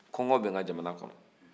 kɔngɔ bɛ n ka jamana kɔnɔ